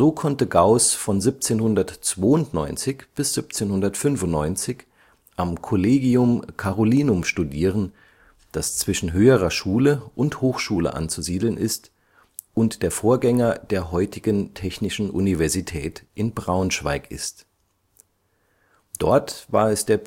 konnte Gauß von 1792 bis 1795 am Collegium Carolinum studieren, das zwischen höherer Schule und Hochschule anzusiedeln ist und der Vorgänger der heutigen Technischen Universität in Braunschweig ist. Dort war es der